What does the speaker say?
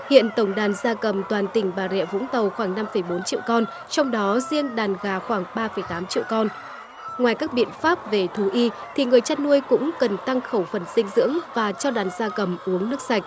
hiện tổng đàn gia cầm toàn tỉnh bà rịa vũng tàu khoảng năm phẩy bốn triệu con trong đó riêng đàn gà khoảng ba phẩy tám triệu con ngoài các biện pháp về thú y thì người chăn nuôi cũng cần tăng khẩu phần dinh dưỡng và cho đàn gia cầm uống nước sạch